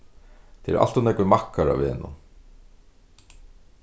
tað eru alt ov nógvir maðkar á vegnum